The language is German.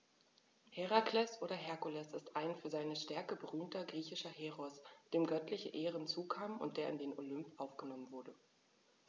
Herakles oder Herkules ist ein für seine Stärke berühmter griechischer Heros, dem göttliche Ehren zukamen und der in den Olymp aufgenommen wurde.